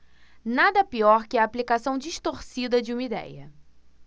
nada pior que a aplicação distorcida de uma idéia